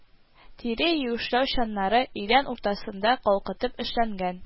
Тире юешләү чаннары идән уртасында калкытып эшләнгән